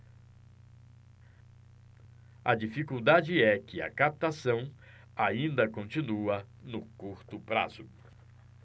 a dificuldade é que a captação ainda continua no curto prazo